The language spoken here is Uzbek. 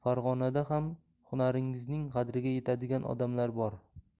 g'onada ham hunaringizning qadriga yetadigan odamlar bor